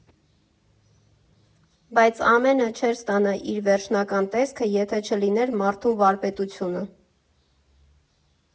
Բայց ամենը չէր ստանա իր վերջնական տեսքը, եթե չլիներ մարդու վարպետությունը։